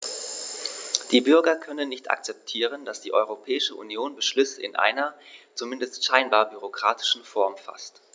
Die Bürger können nicht akzeptieren, dass die Europäische Union Beschlüsse in einer, zumindest scheinbar, bürokratischen Form faßt.